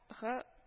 Гы